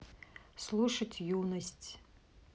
слушать юность